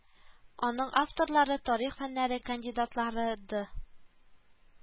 Аның авторлары тарих фәннәре кандидатлары Ды